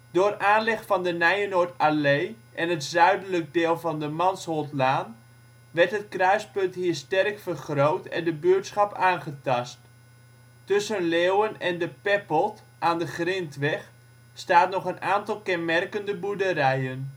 Door aanleg van de Nijenoord Allee en het zuidelijk deel van de Mansholtlaan werd het kruispunt hier sterk vergroot en de buurtschap aangetast. Tussen Leeuwen en De Peppeld, aan de Grintweg, staat nog een aantal kenmerkende boerderijen